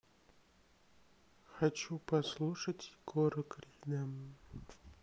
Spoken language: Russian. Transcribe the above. хочу послушать егора крида